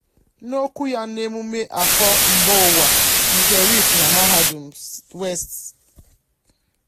N'okwu ya n'emume afọ mbaụwa nke Reef na Mahadum West Indies n'afọ 2018, Prọfesọ John Agard kwuru na emume a ga-adịkwu mkpa ka oké ifufe na-arị elu nakwa ka oké osimiri si ari elu.